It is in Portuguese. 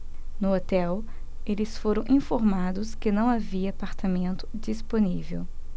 no hotel eles foram informados que não havia apartamento disponível